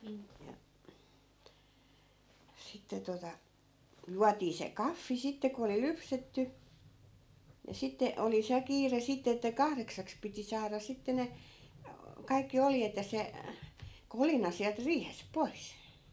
ja sitten tuota juotiin se kahvi sitten kun oli lypsetty niin sitten oli se kiire sitten että kahdeksaksi piti saada sitten ne kaikki oljet ja se kolina sieltä riihestä pois